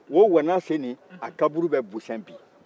o wanase nin a kanuru bɛ busɛn bi